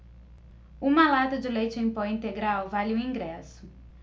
uma lata de leite em pó integral vale um ingresso